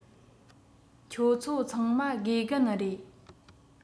ཁྱོད ཚོ ཚང མ དགེ རྒན རེད